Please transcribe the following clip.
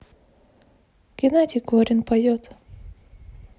геннадий горин поет